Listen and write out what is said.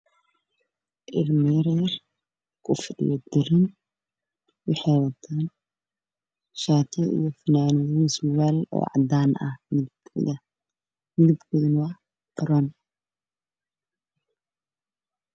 Waa wiilal yar yar oo sijaayad ku fadhiyo